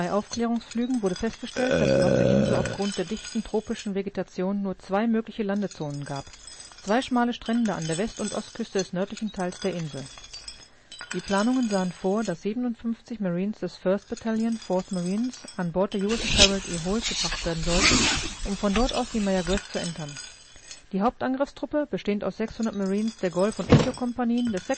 Aufklärungsflügen wurde festgestellt, dass es auf der Insel aufgrund der dichten tropischen Vegetation nur zwei mögliche Landezonen gab – zwei schmale Strände an der West - und Ostküste des nördlichen Teils der Insel. Die Planungen sahen vor, dass 57 Marines des 1st Battalion 4th Marines an Bord der USS Harold E. Holt gebracht werden sollten, um von dort aus die Mayaguez zu entern. Die Hauptangriffstruppe, bestehend aus 600 Marines der Golf - und Echo-Kompanien des